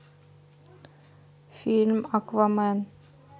фильм аквамен